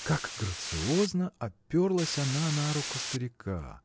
как грациозно оперлась она на руку старика!